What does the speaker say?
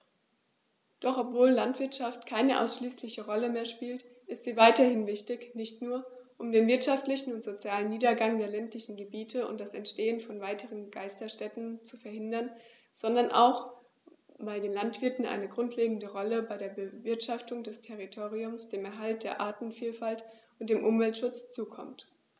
Doch obwohl die Landwirtschaft keine ausschließliche Rolle mehr spielt, ist sie weiterhin wichtig, nicht nur, um den wirtschaftlichen und sozialen Niedergang der ländlichen Gebiete und das Entstehen von weiteren Geisterstädten zu verhindern, sondern auch, weil den Landwirten eine grundlegende Rolle bei der Bewirtschaftung des Territoriums, dem Erhalt der Artenvielfalt und dem Umweltschutz zukommt.